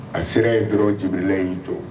A sera ye dɔrɔnjibi in jɔ